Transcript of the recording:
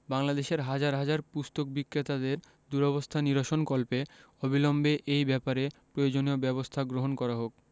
বাংলাদেশের হাজার হাজার পুস্তক বিক্রেতাদের দুরবস্থা নিরসনকল্পে অবিলম্বে এই ব্যাপারে প্রয়োজনীয় ব্যাবস্থা গ্রহণ করা হোক